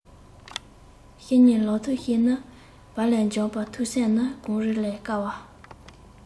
བཤེས གཉེན ལགས ཐུགས གཤིས ནི བལ ལས འཇམ པ ཐུགས སེམས ནི གངས རི ལས དཀར བ